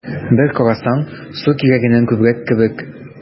Бер карасаң, су кирәгеннән күбрәк кебек: